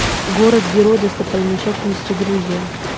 город гори достопримечательности грузия